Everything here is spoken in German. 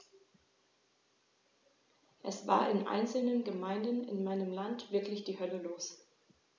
Es war in einzelnen Gemeinden in meinem Land wirklich die Hölle los.